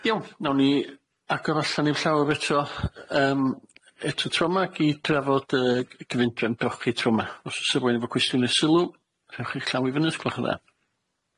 Iawn, nawn ni agor o allan i'r llawr eto, yym, eto tro 'ma, ac i drafod yy c- cyfundrefn drochi tro 'ma. Os o's 'e r'wun efo cwestiwn neu sylw, rhowch eich llaw i fyny os gwelwch yn dda.